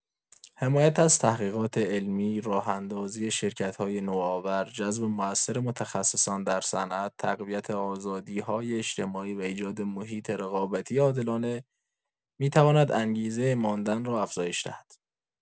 حمایت از تحقیقات علمی، راه‌اندازی شرکت‌های نوآور، جذب مؤثر متخصصان در صنعت، تقویت آزادی‌های اجتماعی و ایجاد محیط رقابتی عادلانه می‌تواند انگیزه ماندن را افزایش دهد.